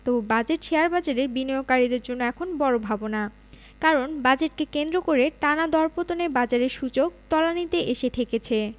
তবু বাজেট শেয়ারবাজারে বিনিয়োগকারীদের জন্য এখন বড় ভাবনা কারণ বাজেটকে কেন্দ্র করে টানা দরপতনে বাজারের সূচক তলানিতে এসে ঠেকেছে